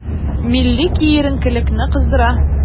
Милли киеренкелекне кыздыра.